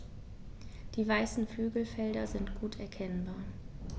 Die weißen Flügelfelder sind gut erkennbar.